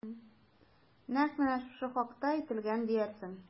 Нәкъ менә шушы хакта әйтелгән диярсең...